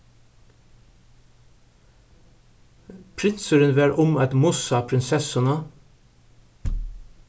prinsurin var um at mussa prinsessuna